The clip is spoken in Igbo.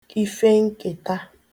ifenketa